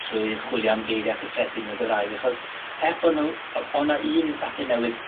trwy chwilio am geiria' cyffredin y Gymraeg, achos, er bo' nw o' o' 'na un bapur newydd